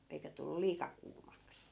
eikä tullut liika kuumaksi